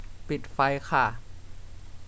ปิดไฟค่ะ